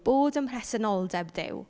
Bod ym mhresenoldeb Duw.